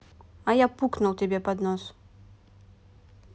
а я пукнул тебе под нос